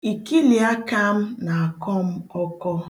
Ikiliaka m na-akọ m ọkọ.